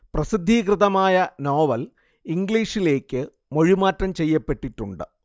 പ്രസിദ്ധീകൃതമായ novel ഇംഗ്ലീഷിലേയ്ക്ക് മൊഴിമാറ്റം ചെയ്യപ്പെട്ടിട്ടുണ്ട്